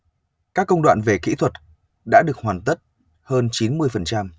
các công đoạn về kỹ thuật đã được hoàn tất hơn chín mươi phần trăm